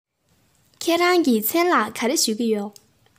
ཁྱེད རང གི མཚན ལ ག རེ ཞུ གི ཡོད